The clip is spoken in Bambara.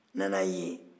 n nana yen